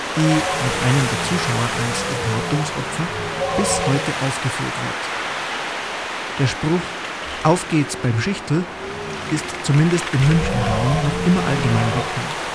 die (mit einem der Zuschauer als Enthauptungsopfer) bis heute aufgeführt wird. Der Spruch „ Auf geht’ s beim Schichtl “ist zumindest im Münchner Raum noch immer allgemein bekannt